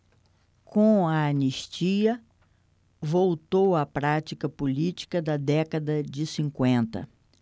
com a anistia voltou a prática política da década de cinquenta